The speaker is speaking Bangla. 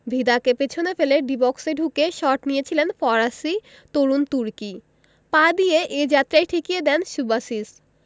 ভিদাকে পেছনে ফেলে ডি বক্সে ঢুকে শট নিয়েছিলেন ফরাসি তরুণ তুর্কি পা দিয়ে এ যাত্রায় ঠেকিয়ে দেন সুবাসিচ